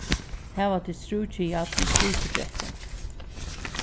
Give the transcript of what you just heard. hava tit strúkijarn og strúkibretti